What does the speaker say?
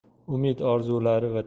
umid orzulari va